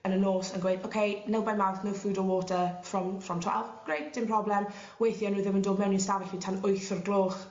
yn y nos yn gweu ok nil by mouth no food or water from form twelve grate 'dim problem weithia o' n'w ddim yn dod mewn i'n stafell fi tan wyth o'r gloch